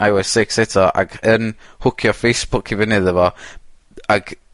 eye oh es six eto ac yn hwcio Facebook i fynny iddo fo ac